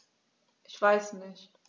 Ich weiß nicht.